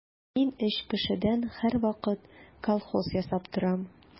Мин өч кешедән һәрвакыт колхоз ясап торам.